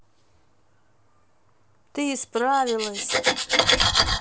ты исправилась